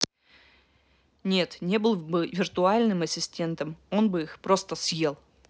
нет не был виртуальным ассистентом он их просто съел